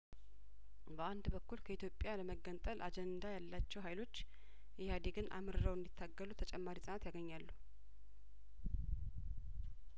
በአንድ በኩል ከኢትዮጵያ ለመገንጠል አጀንዳ ያላቸው ሀይሎች ኢህአዴግን አምርረው እንዲታገሉ ተጨማሪ ጽናት ያገኛሉ